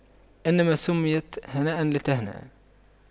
إنما سُمِّيتَ هانئاً لتهنأ